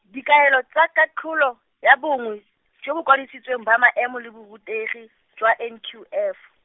dikaelo tsa katlholo, ya bongwe, jo bo kwadisitsweng ba maemo le borutegi, jwa N Q F.